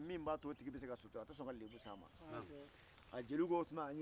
gɛrɛ olu la a bɛ fɔ olu de ma ko musokɔrɔba ɲuman